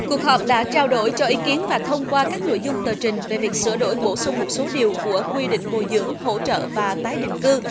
cuộc họp đã trao đổi cho ý kiến và thông qua các nội dung tờ trình về việc sửa đổi bổ sung một số điều của quy định bồi dưỡng hỗ trợ và tái định cư